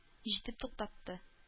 Җитеп туктатты